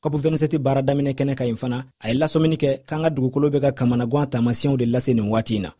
cop27 baaradaminɛ kɛnɛ kan yen fana a ye lasɔmini kɛ k'an ka dugukolo bɛ ka kamanagan taamasiyɛn de lase nin waati in na